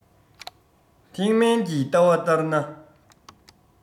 ཐེག དམན གྱི ལྟ བ ལྟར ན